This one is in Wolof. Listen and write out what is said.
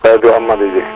xaritu Amady bi